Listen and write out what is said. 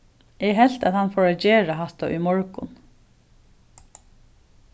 eg helt at hann fór at gera hatta í morgun